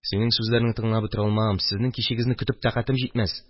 Синең сүзләреңне тыңлап бетерә алмам, сезнең кичегезне көтеп тәкатем җитмәс.